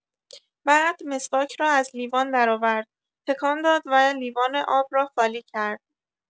بعد مسواک را از لیوان درآورد، تکان داد و لیوان آب را خالی کرد.